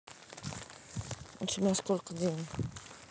у тебя сколько денег